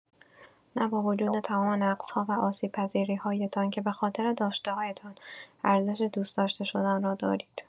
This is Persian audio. نه با وجود تمام نقص‌ها و آسیب‌پذیری‌هایتان، که به‌خاطر داشته‌هایتان ارزش دوست‌داشته‌شدن را دارید.